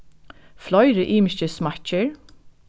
fleiri ymiskir smakkir